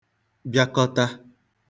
bịakọta